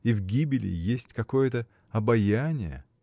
И в гибели есть какое-то обаяние.